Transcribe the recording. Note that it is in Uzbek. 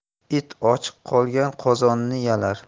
it ochiq qolgan qozonni yalar